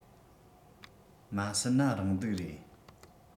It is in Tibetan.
མ སད ན རང སྡུག རེད